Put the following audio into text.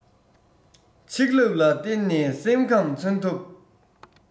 ཆིག ལབ ལ བརྟེན ནས སེམས ཁམས མཚོན ཐབས